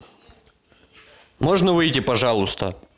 можно выйти пожалуйста